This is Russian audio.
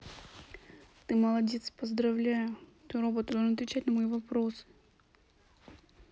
ты молодец я поздравляю ты робот ты должен отвечать на мои вопросы